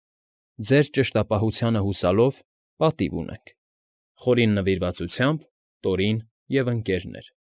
Ձեր ճշտապահությանը հուսալով, պատիվ ունենք. խորին նվիրվածությամբ Տորին և Ընկ.»։ ֊